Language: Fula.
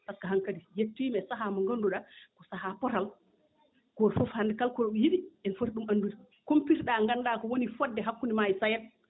par ce que han kadi yettiima e sahaa mbo ngannduɗaa ko sahaa potal gooto fof hannde kala ko yiɗi ene foti ɗum anndude kumpitoɗaa nganndaa ko woni fodde hakkunde maa e SAED